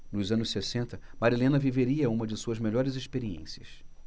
nos anos sessenta marilena viveria uma de suas melhores experiências